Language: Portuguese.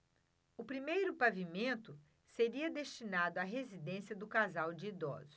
o primeiro pavimento seria destinado à residência do casal de idosos